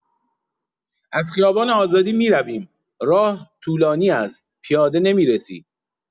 از خیابان آزادی می‌رویم، راه طولانی است پیاده نمی‌رسی.